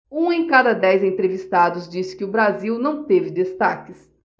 um em cada dez entrevistados disse que o brasil não teve destaques